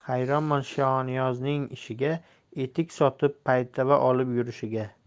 hayronman shoniyozning ishiga etik sotib paytava olib yurishiga